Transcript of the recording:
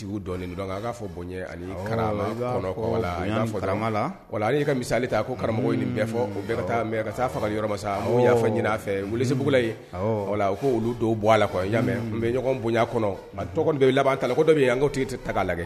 'a fɔ bonya karaa ka misali ta ko karamɔgɔ ni fɔ taa faga yɔrɔ masa y' ɲinin fɛ wulisiugula wala u ko olu don bɔ a bɛ ɲɔgɔn bonya kɔnɔ laban ta la ko an ti tɛ ta lajɛ